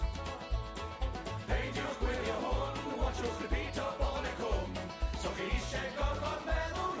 Peidiwch gwylio hwn, watshiwch repeat o Pobol y cwm, so chi isie gorfod meddwl...